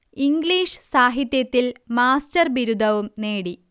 English സാഹിത്യത്തിൽ master ബിരുദവും നേടി